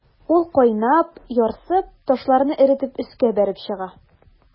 Ул кайнап, ярсып, ташларны эретеп өскә бәреп чыга.